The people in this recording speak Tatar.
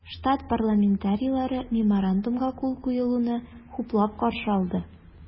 Штат парламентарийлары Меморандумга кул куелуны хуплап каршы алды.